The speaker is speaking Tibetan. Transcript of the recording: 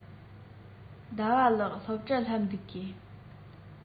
ཟླ བ ལགས སློབ གྲྭར སླེབས འདུག གས